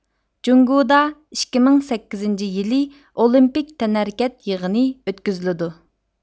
جۇڭگۇدا ئىككى مىڭ سەككىزىنچى يىلى ئولىمپىك تەنھەرىكەت يىغىنى ئۆتكۈزۈلىدۇ